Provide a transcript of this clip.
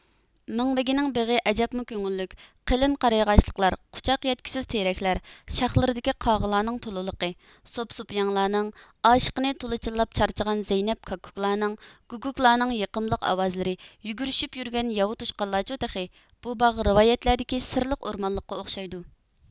مىڭبېگىنىڭ بېغى ئەجەبمۇ كۆڭۈللۈك قېلىن قارىياغاچلىقلار قۇچاق يەتكۈسىز تېرەكلەر شاخلىرىدىكى قاغىلارنىڭ تولىلىقى سوپىسوپىياڭلارنىڭ ئاشىقىنى تولا چىللاپ چارچىغان زەينەپ كاككۇكلارنىڭ گۇگۇكلارنىڭ يېقىملىق ئاۋازلىرى يۈگۈرۈشۈپ يۈرگەن ياۋا توشقانلارچۇ تېخى بۇ باغ رىۋايەتلەردىكى سىرلىق ئورمانلىققا ئوخشايدۇ